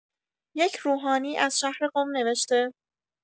یک روحانی از شهر قم نوشته